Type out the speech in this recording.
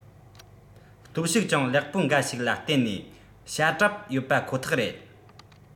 སྟོབས ཤུགས ཅུང ལེགས པོ འགའ ཞིག ལ བརྟེན ནས བྱ གྲབས ཡོད པ ཁོ ཐག རེད